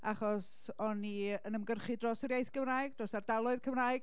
achos o'n i'n yn ymgyrchu dros yr iaith Cymraeg, dros ardaloedd Cymraeg,